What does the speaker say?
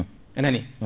anani